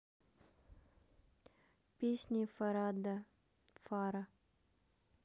песни фарада фара